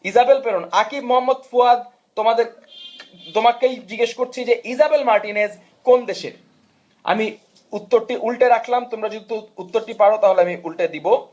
Isabel প্ররণ আকিব মোঃ ফুয়াদ তোমাকে জিজ্ঞেস করছি যে ইজাবেল মার্টিনেজ কোন দেশের আমি উত্তরটি উল্টে রাখলাম তোমরা যদি উত্তরটি পারো তাহলে আমি উলটে দিব